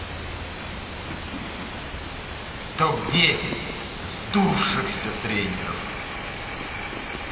топ десять сдувшихся тренеров